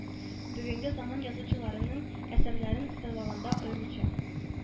Бүгенге заман язучыларының әсәрләрен сайлаганда аеруча